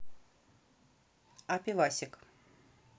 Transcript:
а пивасик